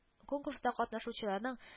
Конкурста катнашучыларның